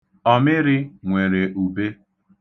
Omiri nwere ube.